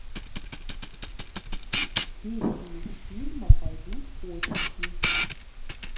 песни из фильма пойдут котики